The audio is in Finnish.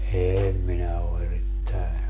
en minä ole erittäin